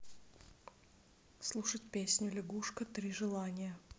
слушать песню лягушка три желания